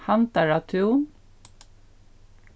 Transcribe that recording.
handaratún